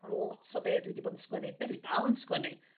Ma lot o be' dwi 'di bod yn sgwennu be' dwi dal yn sgwennu